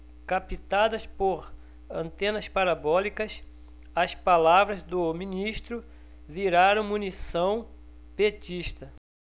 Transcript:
captadas por antenas parabólicas as palavras do ministro viraram munição petista